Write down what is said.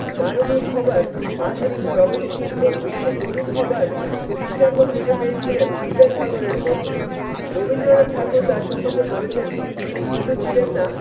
মানবিক হবার আধুনিক প্রগতিশীল ও বিশ্বজনীন হবার দৃষ্টান্ত খুঁজে পেয়েছিলেন বিদ্যাসাগর এর মধ্যে রবীন্দ্রনাথ ঠাকুর তার সম্বন্ধে বলেছেন তিনি হিন্দু ছিলেন না